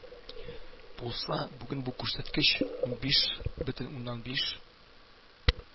Булса, бүген бу күрсәткеч унибиш бөтен уннан биш